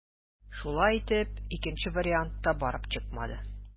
Шулай итеп, икенче вариант та барып чыкмады.